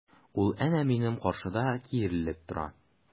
Ул әнә минем каршыда киерелеп тора!